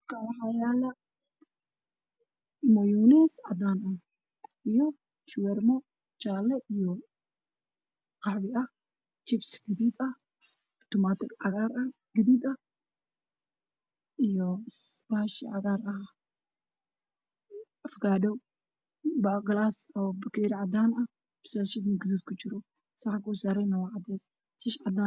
Waa saxan waxaa ku jira jibsi barandho meeshaan waa cadaan